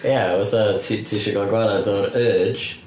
Ia fatha ti ti isio gael gwared o'r urge